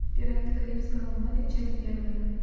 пираты карибского моря часть первая